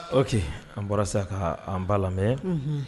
Oke an bɔra sa ka an ba lamɛn